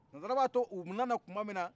ɲɔgɔntumana u nana tuma min na